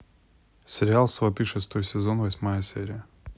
сериал сваты шестой сезон восьмая серия